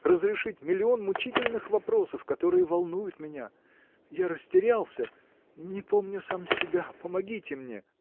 разрешить миллион мучительных вопросов которые волнуют меня. я растерялся. не помню сам себя, помогите мне.